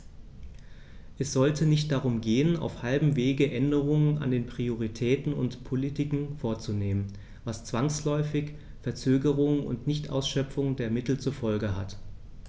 Es sollte nicht darum gehen, auf halbem Wege Änderungen an den Prioritäten und Politiken vorzunehmen, was zwangsläufig Verzögerungen und Nichtausschöpfung der Mittel zur Folge hat.